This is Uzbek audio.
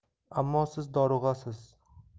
ammo siz dorug'asiz